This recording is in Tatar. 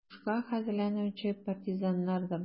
Сугышка хәзерләнүче партизаннар да бар: